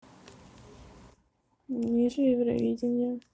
ниже евровидение